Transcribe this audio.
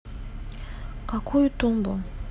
какую тумбу